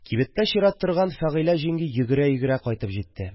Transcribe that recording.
Кибеттә чират торган Фәгыйлә җиңги йөгерә-йөгерә кайтып җитте